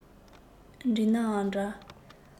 འགྲིག ནའང འདྲ